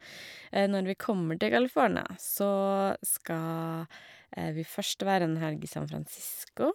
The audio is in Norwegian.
Når vi kommer til California, så skal vi først være en helg i San Fransisco.